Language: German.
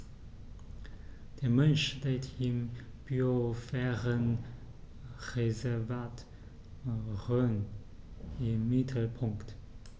Der Mensch steht im Biosphärenreservat Rhön im Mittelpunkt.